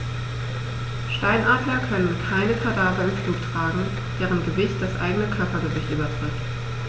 Steinadler können keine Kadaver im Flug tragen, deren Gewicht das eigene Körpergewicht übertrifft.